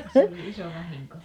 no se oli iso vahinko